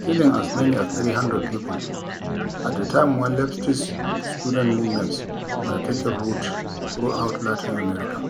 killing as many as 300 people at a time when leftist student movements were taking root throughout Latin America.